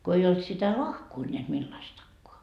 kun ei ollut sitä lahkoa näet millaistakaan